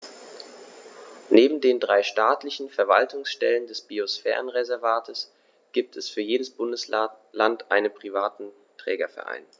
Neben den drei staatlichen Verwaltungsstellen des Biosphärenreservates gibt es für jedes Bundesland einen privaten Trägerverein.